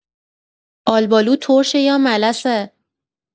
آلبالو ترشه یا ملسه؟